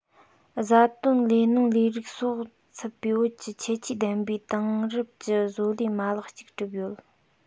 བཟའ བཏུང ལས སྣོན ལས རིགས སོགས ཚུད པའི བོད ཀྱི ཁྱད ཆོས ལྡན པའི དེང རབས ཀྱི བཟོ ལས མ ལག ཅིག གྲུབ ཡོད